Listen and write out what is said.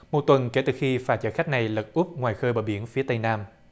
một tuần kể từ khi phà chở khách này lật úp ngoài khơi bờ biển phía tây nam